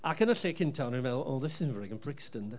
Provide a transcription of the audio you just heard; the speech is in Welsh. ac yn y lle cynta, o'n i'n meddwl, oh this isn't very good Brixton.